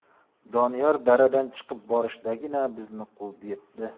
doniyor daradan chiqa berishdagina bizni quvib yetdi